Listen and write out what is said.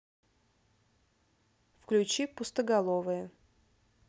включи пустоголовые